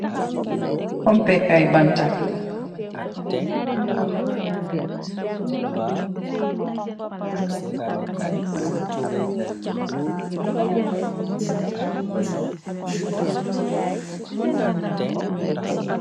Fombéh Kai banta